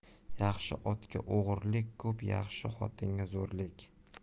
yaxshi otga o'g'irlik ko'p yaxshi xotinga zo'rlik